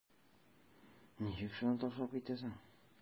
Ничек шуны ташлап китәсең?